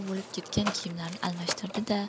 bo'lib ketgan kiyimlarini almashtirdi da